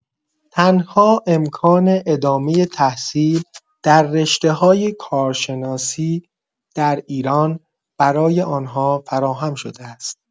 تنها امکان ادامه تحصیل در رشته‌های کارشناسی در ایران برای آنها فراهم شده است.